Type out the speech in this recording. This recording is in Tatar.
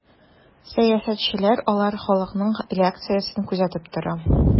Сәясәтчеләр алар халыкның реакциясен күзәтеп тора.